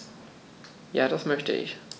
Ja, das möchte ich.